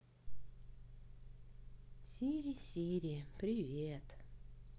сири сири привет